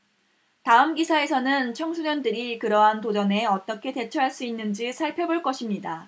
다음 기사에서는 청소년들이 그러한 도전에 어떻게 대처할 수 있는지 살펴볼 것입니다